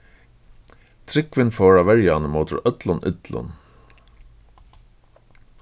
trúgvin fór at verja hann ímóti øllum illum